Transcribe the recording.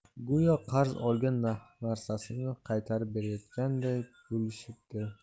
go'yo qarz olgan narsasini qaytarib berayotgandek bo'shashibdi